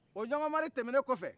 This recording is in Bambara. o ɲɔngɔn mari tɛmɛnen kɔfɛ